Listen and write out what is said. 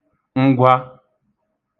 ngwa